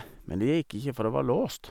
Men det gikk ikke, for det var låst.